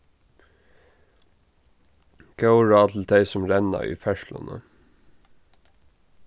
góð ráð til tey sum renna í ferðsluni